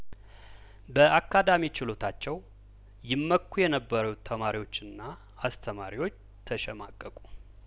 በአካዳሚ ችሎታቸው ይመኩ የነበሩት ተማሪዎችና አስተማሪዎች ተሸማቀቁ